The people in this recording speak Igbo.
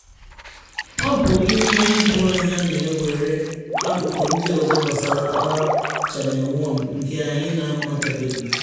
Ọ bụ ihe ijuanya na e nwere akụkụ ndị ọzọ gbasara ara Channel One nke anyị n'amatabeghị.